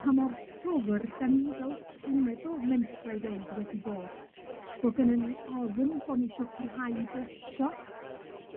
Pa mor llwfr 'dan ni fel cenedl mentra'i i ddeud wedi bod, bo' gynnon ni ofyn bo' ni isio parhau i blesio